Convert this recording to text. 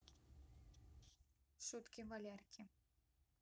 шутки валерки